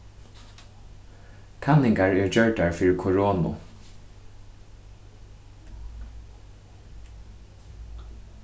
kanningar eru gjørdar fyri koronu